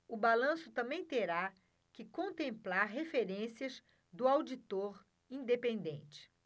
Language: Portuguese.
o balanço também terá que contemplar referências do auditor independente